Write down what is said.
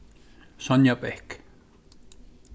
sonja bech